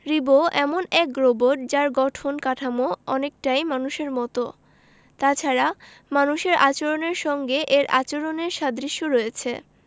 রিবো এমন এক রোবট যার গঠন কাঠামো অনেকটাই মানুষের মতো তাছাড়া মানুষের আচরণের সঙ্গে এর আচরণের সাদৃশ্য রয়েছে